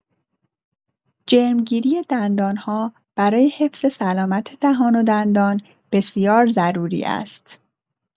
جرم‌گیری دندان‌ها برای حفظ سلامت دهان و دندان بسیار ضروری است.